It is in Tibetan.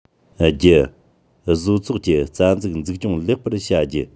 བརྒྱད བཟོ ཚོགས ཀྱི རྩ འཛུགས འཛུགས སྐྱོང ལེགས པར བྱ རྒྱུ